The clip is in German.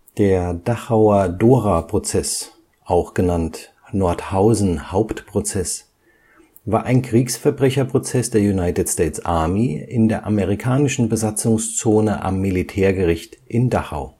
Der Dachauer Dora-Prozess (auch: Nordhausen-Hauptprozess) war ein Kriegsverbrecherprozess der United States Army in der amerikanischen Besatzungszone am Militärgericht in Dachau